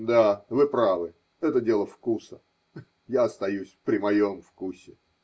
– Да, вы правы, это дело вкуса. Я. остаюсь при моем вкусе.